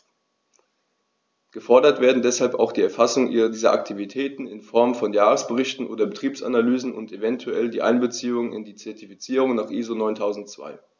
Gefordert werden deshalb auch die Erfassung dieser Aktivitäten in Form von Jahresberichten oder Betriebsanalysen und eventuell die Einbeziehung in die Zertifizierung nach ISO 9002.